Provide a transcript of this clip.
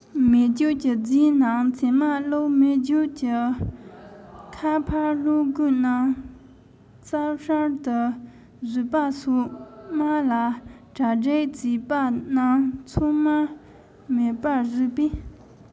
མེ སྒྱོགས ཀྱི རྫས ནང བྱེ མ བླུགས མེ སྒྱོགས ཀྱི ཁ ཕར སློག གོས རྣམས རྩབ ཧྲལ དུ བཟོས པ སོགས དམག ལ གྲ སྒྲིག བྱས པ རྣམས ཚང མ མེར པར བཟོས པས